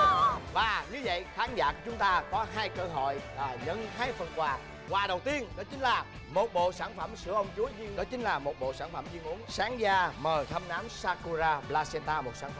và như dậy khán giả của chúng ta có hai cơ hội à nhận hai phần quà quà đầu tiên đó chính là một bộ sản phẩm sữa ong chúa đó chính là một bộ sản phẩm viên uống sáng da mờ thâm nám sa ku ra pờ la sen ta một sản phẩm